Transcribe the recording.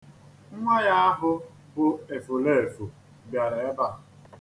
Nwa ya ahụ bụ èfùleèfù bịara ebe a.